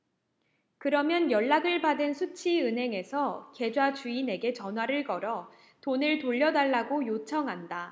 그러면 연락을 받은 수취 은행에서 계좌 주인에게 전화를 걸어 돈을 돌려 달라고 요청한다